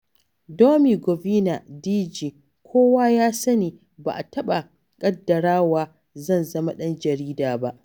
Domy Govina (DG): Kowa ya sani, ba a taɓa ƙaddarawa zan zama ɗan jarida ba.